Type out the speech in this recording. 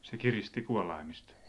se kiristi kuolaimista